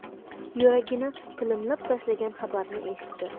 yuragini tilimlab tashlagan xabarni eshitdi